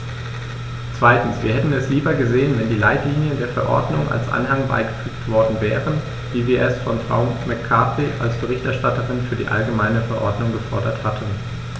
Zweitens: Wir hätten es lieber gesehen, wenn die Leitlinien der Verordnung als Anhang beigefügt worden wären, wie wir es von Frau McCarthy als Berichterstatterin für die allgemeine Verordnung gefordert hatten.